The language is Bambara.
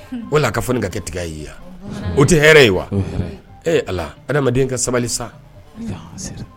O ka fɔ ka kɛ tigɛya ye yan o tɛ hɛrɛ ye wa ee ala adamaden ka sabali sa